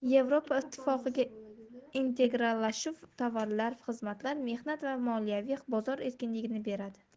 yevropa ittifoqiga integrallashuv tovarlar xizmatlar mehnat va moliyaviy bozor erkinligini beradi